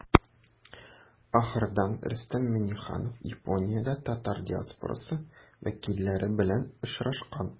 Ахырдан Рөстәм Миңнеханов Япониядә татар диаспорасы вәкилләре белән очрашачак.